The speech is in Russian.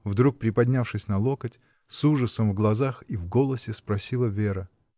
— вдруг приподнявшись на локоть, с ужасом в глазах и в голосе, спросила Вера.